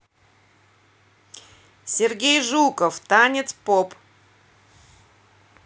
сергей жуков танец поп